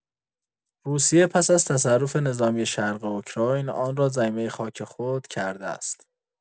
روسیه پس از تصرف نظامی شرق اوکراین، آن را ضمیمه خاک خود کرده است.